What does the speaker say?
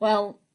wel